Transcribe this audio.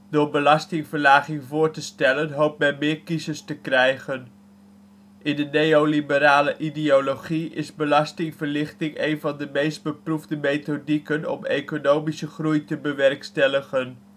Door belastingverlaging voor te stellen hoopt men meer kiezers te krijgen. In de neoliberale ideologie is belastingverlichting een van de meest beproefde methodieken om economische groei te bewerkstelligen